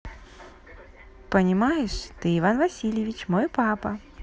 понимаешь ты иван васильевич мой папа